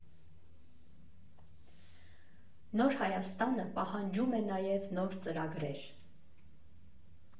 Նոր Հայաստանը պահանջում է նաև նոր ծրագրեր։